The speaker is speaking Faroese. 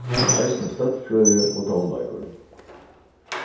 men eisini støddfrøði og tónleikur